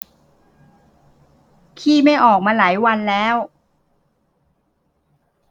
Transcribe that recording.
ขี้ไม่ออกมาหลายวันแล้ว